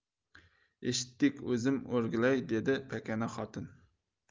eshitdik o'zim o'rgilay dedi pakana xotin